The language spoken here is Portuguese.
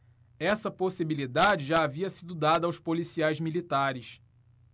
essa possibilidade já havia sido dada aos policiais militares